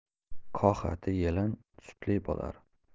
qohati yelin sutli bo'lar